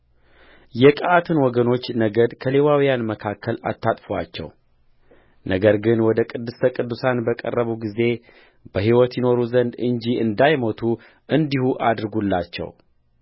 የቀዓትን ወገኖች ነገድ ከሌዋውያን መካከል አታጥፉአቸውነገር ግን ወደ ቅድስተ ቅዱሳን በቀረቡ ጊዜ በሕይወት ይኖሩ ዘንድ እንጂ እንዳይሞቱ እንዲሁ አድርጉላቸው